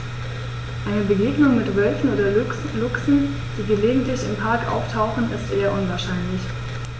Eine Begegnung mit Wölfen oder Luchsen, die gelegentlich im Park auftauchen, ist eher unwahrscheinlich.